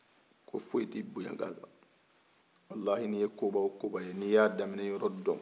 ko fosi tɛ bonya gasan walahi ni ye kobaw o kobaw ye ni y'a daminɛ yɔrɔ dɔn